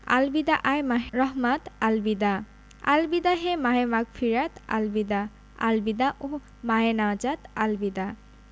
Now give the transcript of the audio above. আল বিদা আয় মাহে রহমাত আল বিদা আল বিদা হে মাহে মাগফিরাত আল বিদা আল বিদা ওহঃ মাহে নাজাত আল বিদা